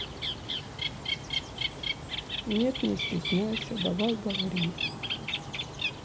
нет не стесняйся давай говори